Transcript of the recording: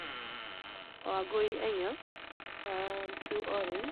Og jeg går i engelsk, to årene.